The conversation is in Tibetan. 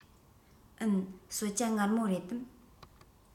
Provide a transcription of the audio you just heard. འུན གསོལ ཇ མངར མོ རེད དམ